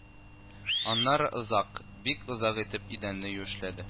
Аннары озак, бик озак итеп идәнне юешләде